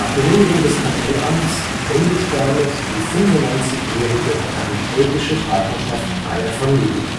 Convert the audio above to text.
Genehmigung des Kartellamts endet damit die 95-jährige paritätische Partnerschaft beider Familien